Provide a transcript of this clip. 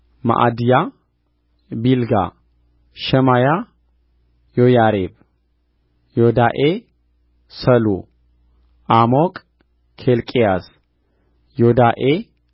መዓድያ ቢልጋ ሸማያ ዮያሪብ ዮዳኤ ሰሉ ዓሞቅ ኬልቅያስ ዮዳኤ